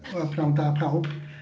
Wel prynhawn da pawb.